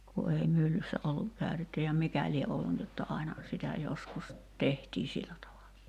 kun ei myllyssä ollut käytetty ja mikä lie ollut niin jotta aina sitä joskus tehtiin sillä tavalla